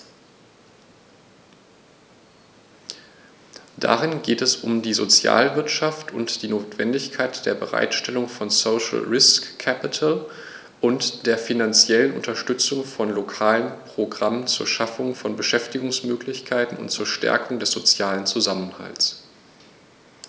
Darin geht es um die Sozialwirtschaft und die Notwendigkeit der Bereitstellung von "social risk capital" und der finanziellen Unterstützung von lokalen Programmen zur Schaffung von Beschäftigungsmöglichkeiten und zur Stärkung des sozialen Zusammenhalts.